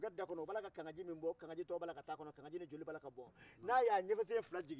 nimɔgɔfɔlɔla nimɔgɔmusofitini tun bɛ a ɲɛ ma da nimɔgɔmusokɔrɔba de ma